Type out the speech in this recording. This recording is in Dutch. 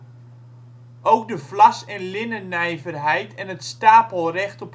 vlas - en linnennijverheid en het stapelrecht